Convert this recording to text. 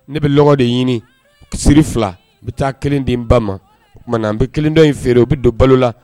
Ne bɛ de ɲini kisiri fila i bɛ taa kelenden ba ma ma an bɛ kelen dɔ in feere i bɛ don balo la